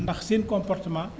ndax seen comportement